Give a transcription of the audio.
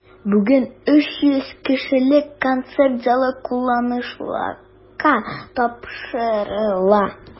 Бүген 300 кешелек концерт залы кулланылышка тапшырыла.